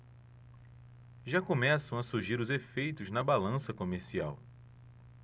já começam a surgir os efeitos na balança comercial